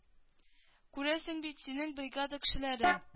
Күрәсең бит синең бригада кешеләре